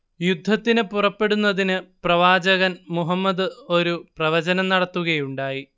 യുദ്ധത്തിന് പുറപ്പെടുന്നതിന് പ്രവാചകൻ മുഹമ്മദ് ഒരു പ്രവചനം നടത്തുകയുണ്ടായി